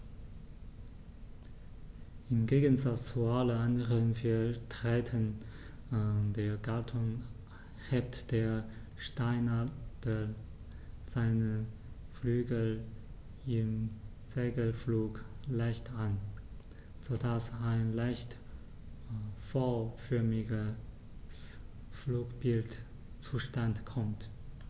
Im Gegensatz zu allen anderen Vertretern der Gattung hebt der Steinadler seine Flügel im Segelflug leicht an, so dass ein leicht V-förmiges Flugbild zustande kommt.